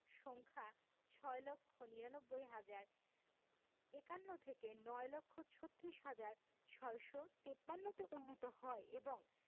সংখ্যা ৬ লক্ষ ৯৯ হাজার ৫১ থেকে ৯ লক্ষ ৩৬ হাজার ৬৫৩ তে উন্নীত হয় এবং